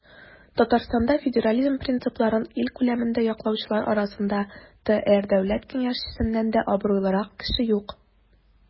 Татарстанда федерализм принципларын ил күләмендә яклаучылар арасында ТР Дәүләт Киңәшчесеннән дә абруйлырак кеше юк.